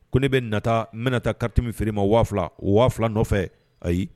Ko ne bɛ nata mɛnta karitimi feere ma waa waaula nɔfɛ ayi